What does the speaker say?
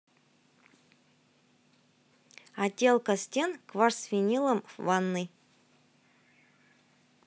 отделка стен кварц винилом в ванной